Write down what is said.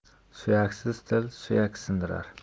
suyaksiz til suyak sindirar